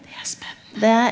det er spennende.